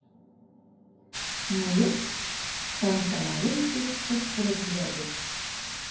"мыек" тантаналы итеп кычкырып җибәрде.